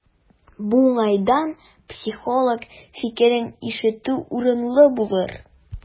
Бу уңайдан психолог фикерен ишетү урынлы булыр.